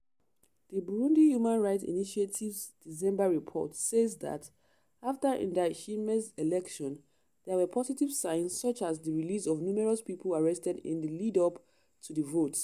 The Burundi Human Rights Initiative’s December report says that, after Ndayishimye’s election, there were positive signs, such as the release of numerous people arrested in the lead-up to the vote.